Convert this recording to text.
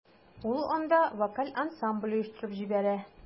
Ул анда вокаль ансамбль оештырып җибәрә.